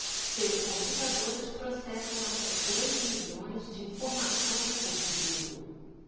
seus computadores processam até dois milhões de informações por segundo